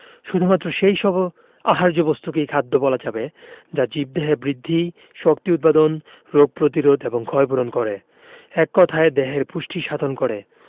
শুধুমাত্র সেই সব আহার্য বস্তুকেই খাদ্য বলা যাবে যা জীবদেহে বৃদ্ধি শক্তি উৎপাদন রোগ প্রতিরোধ এবং ক্ষয়পূরণ করে এক কথায় দেহের পুষ্টি সাধন করে